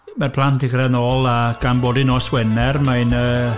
Mae'r plant 'di cyrraedd nôl a gan bod hi'n nos Wener, mae'n yy...